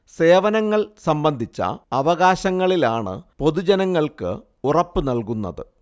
സേവനങ്ങൾ സംബന്ധിച്ച അവകാശങ്ങളിലാണ് പൊതുജനങ്ങൾക്ക് ഉറപ്പു നൽകുന്നത്